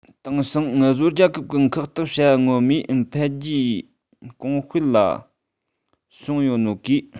དེང སང འུ བཟོ རྒྱལ ཁབ གི འཁེལ འཐག བྱ བ ངོ མས གོང འཕེལ ལ སོང ཡོད ནོ གིས